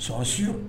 Son si rɔ